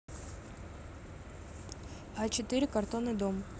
а четыре картонный дом